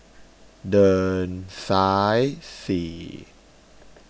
เดินซ้ายสี่